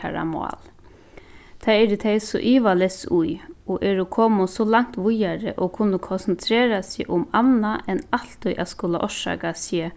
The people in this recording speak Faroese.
teirra mál tað eru tey so ivaleys í og eru komin so langt víðari og kunnu konsentrera seg um annað enn altíð at skula orsaka seg